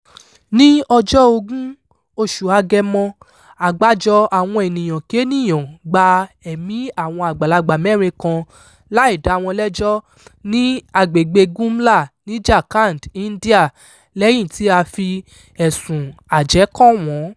Ní ọjọ́ 20 oṣù Agẹmọ, àgbájọ àwọn ènìyànkéènìà gba ẹ̀mí àwọn àgbàlagbà mẹ́rin kan láì dá wọn lẹ́jọ́ ní agbègbèe Gumla ní Jharkhand, India lẹ́yìn tí a fi ẹ̀sùn-un àjẹ́ kàn wọ́n.